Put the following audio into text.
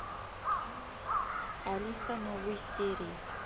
алиса новые серии